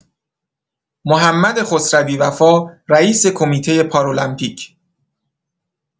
محمد خسروی وفا رئیس کمیته پارالمپیک